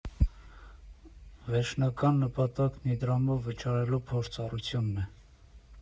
Վերջնական նպատակն Իդրամով վճարելու փորձառությունն է։